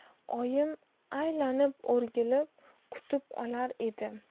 oyim aylanib o'rgilib kutib olar edi